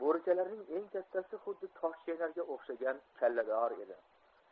bo'richalarning eng kattasi xuddi toshchaynarga o'xshagan kallador edi